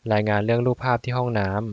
รายงานเรื่องรูปภาพที่ห้องน้ำ